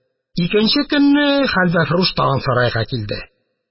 Икенче көнне хәлвәфрүш тагын сарайга килде.